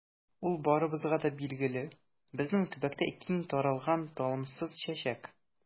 Ул барыбызга да билгеле, безнең төбәктә киң таралган талымсыз чәчәк.